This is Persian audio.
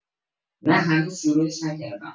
نه هنوز شروعش نکردم